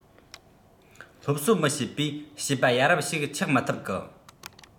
སློབ གསོ མི ཤེས པས བྱིས པ ཡ རབས ཞིག ཆགས མི ཐུབ གི